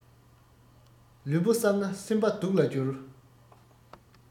ལུས པོ བསམས ན སེམས པ སྡུག ལ སྦྱོར